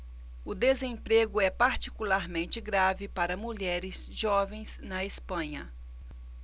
o desemprego é particularmente grave para mulheres jovens na espanha